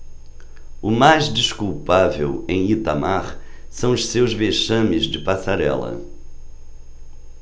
o mais desculpável em itamar são os seus vexames de passarela